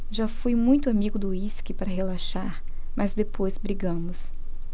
já fui muito amigo do uísque para relaxar mas depois brigamos